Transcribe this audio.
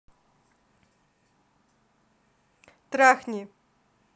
трахни